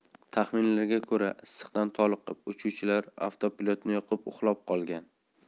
taxminlarga ko'ra issiqdan toliqqan uchuvchilar avtopilotni yoqib uxlab qolgan